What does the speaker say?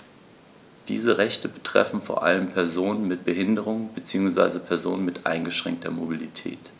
Diese Rechte betreffen vor allem Personen mit Behinderung beziehungsweise Personen mit eingeschränkter Mobilität.